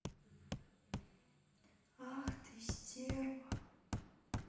ах ты стерва